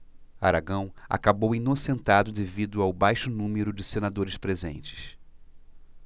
aragão acabou inocentado devido ao baixo número de senadores presentes